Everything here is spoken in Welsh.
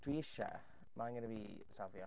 Dwi isie. Ma' angen i fi safio.